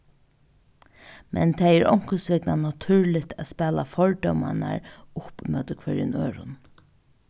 men tað er onkursvegna natúrligt at spæla fordómarnar upp móti hvørjum øðrum